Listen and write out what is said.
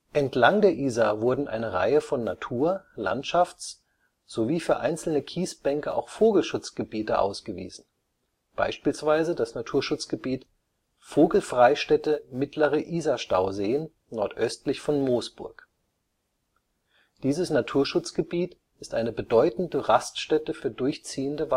Entlang der Isar wurden eine Reihe von Natur -, Landschafts - sowie für einzelne Kiesbänke auch Vogelschutzgebiete ausgewiesen, beispielsweise das Naturschutzgebiet „ Vogelfreistätte Mittlere Isarstauseen “nordöstlich von Moosburg. Dieses Naturschutzgebiet ist eine bedeutende Raststätte für durchziehende